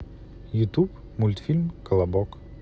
ютуб мультфильм колобок